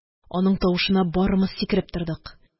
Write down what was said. Аның тавышына барымыз сикереп тордык.